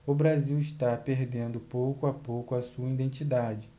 o brasil está perdendo pouco a pouco a sua identidade